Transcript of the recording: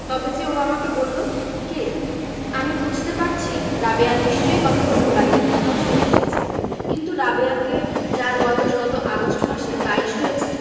তবে যে ও আমাকে বললো কে আমি বুঝতে পারছি রাবেয়া নিশ্চয়ই কথাগুলি বাইরে কোথাও শুনে এসেছে কিন্তু রাবেয়াকে যার বয়স গত আগস্ট মাসে বাইশ হয়েছে